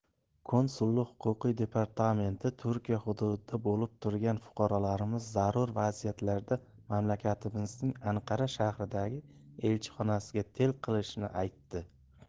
konsullik huquqiy departamenti turkiya hududida bo'lib turgan fuqarolarimiz zarur vaziyatlarda mamlakatimizning anqara shahridagi elchixonasiga tel qilishini aytdi